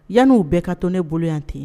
Yanniwu bɛɛ ka tɔn ne bolo yan ten